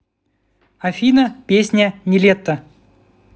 афина песня niletto